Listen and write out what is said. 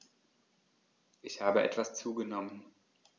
Ich habe etwas zugenommen